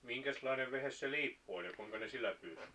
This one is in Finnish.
minkäslainen vehje se liippu oli ja kuinka ne sillä pyysi